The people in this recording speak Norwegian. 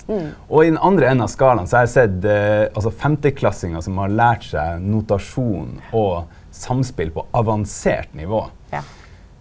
og i den andre enden av skalaen så har eg sett altså femteklassingar som har lært seg notasjon og samspel på avansert nivå.